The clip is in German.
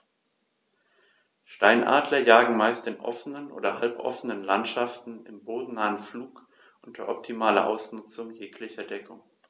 Steinadler jagen meist in offenen oder halboffenen Landschaften im bodennahen Flug unter optimaler Ausnutzung jeglicher Deckung.